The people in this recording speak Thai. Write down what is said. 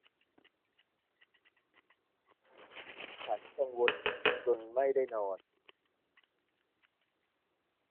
ฉันกังวลจนไม่ได้นอน